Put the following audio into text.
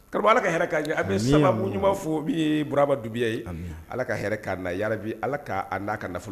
Ala ka bɛma ɲuman'a fɔ n' yeuraba dubiya ye ala ka hɛrɛ' na yabi ala k''a ka na